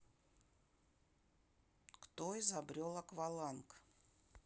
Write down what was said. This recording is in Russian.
кто изобрел акваланг